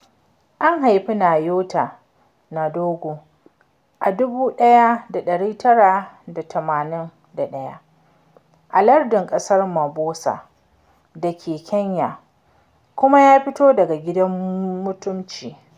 An haifi Nyota Ndogo a 1981 a lardin gaɓar Mobasa da yake Kenya kuma ya fito daga gidan mutunci.